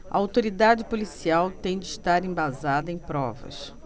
a autoridade policial tem de estar embasada em provas